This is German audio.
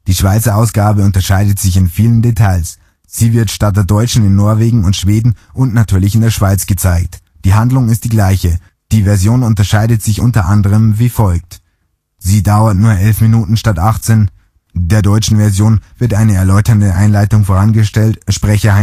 Schweizer Ausgabe unterscheidet sich in vielen Details. Sie wird statt der deutschen in Norwegen und Schweden und natürlich in der Schweiz gezeigt. Die Handlung ist die gleiche. Die Version unterscheidet sich unter anderem wie folgt: Sie dauert nur 11 Minuten statt 18. Der deutschen Version wird eine erläuternde Einleitung vorangestellt (Sprecher